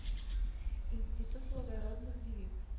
Институт благородных девиц